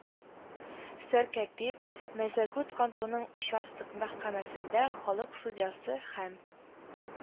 Сәркәтип, мәсәгут кантонының участок мәхкәмәсендә халык судьясы һәм